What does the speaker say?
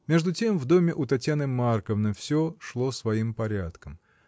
Между тем в доме у Татьяны Марковны всё шло своим порядком.